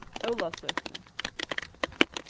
ólavsøkuni